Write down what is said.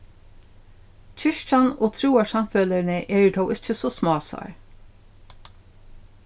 kirkjan og trúarsamfeløgini eru tó ikki so smásár